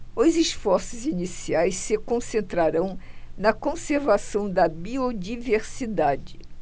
os esforços iniciais se concentrarão na conservação da biodiversidade